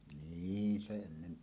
niin se ennen